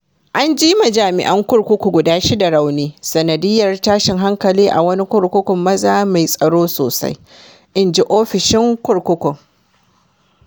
An ji ma jami'an kurkuku guda shida rauni sanadiyyar tashin hankali a wani kurkukun maza mai tsaro sosai, inji Ofishin Kurkukun.